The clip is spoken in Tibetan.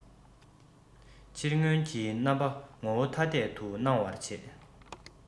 ཕྱིར མངོན གྱི རྣམ པ ངོ བོ ཐ དད དུ སྣང བར བྱེད